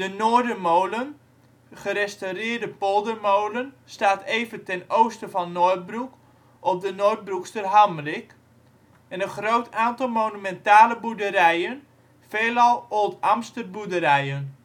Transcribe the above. Noordermolen, gerestaureerde poldermolen, staat even ten oosten van Noordbroek op de Noordbroeksterhamrik. Groot aantal monumentale boerderijen, veelal Oldambtster boerderijen